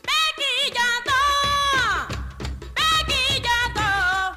I ka ta' ka ta